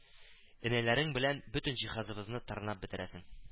Энәләрең белән бөтен җиһазыбызны тырнап бетерәсең